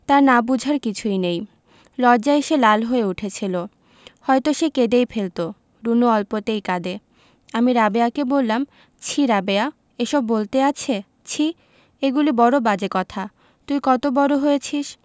তার না বুঝার কিছুই নেই লজ্জায় সে লাল হয়ে উঠেছিলো হয়তো সে কেঁদেই ফেলতো রুনু অল্পতেই কাঁদে আমি রাবেয়াকে বললাম ছিঃ রাবেয়া এসব বলতে আছে ছিঃ এগুলি বড় বাজে কথা তুই কত বড় হয়েছিস